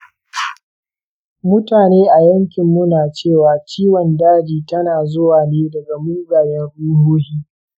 mutane a yankinmu na cewa ciwon daji tana zuwa ne daga mugayen ruhohi.